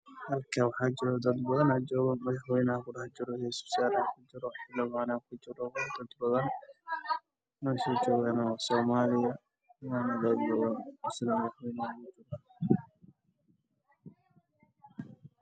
Waa hool waxaan isugu jira odayaal madaxweynaha soomaaliya